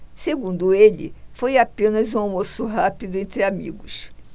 segundo ele foi apenas um almoço rápido entre amigos